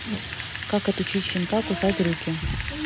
как отучить щенка кусать руки